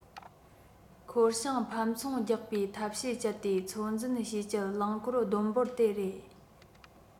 འཁོར བྱང ཕམ ཚོང རྒྱག པའི ཐབས ཤེས སྤྱད དེ ཚོད འཛིན བྱེད སྤྱད རླངས འཁོར བསྡོམས འབོར དེ རེད